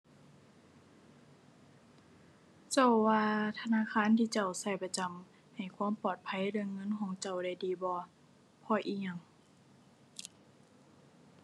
เจ้าว่าธนาคารที่เจ้าใช้ประจำให้ความปลอดภัยเรื่องเงินของเจ้าได้ดีบ่ เพราะอิหยัง